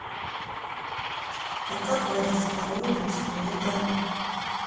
а как вводить пароль если это